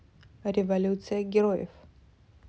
революция героев